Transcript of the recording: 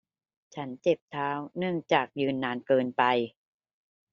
ฉันเจ็บเท้าเนื่องจากยืนนานเกินไป